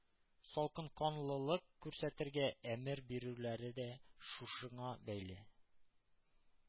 Салкынканлылык күрсәтергә әмер бирүләре дә шушыңа бәйле».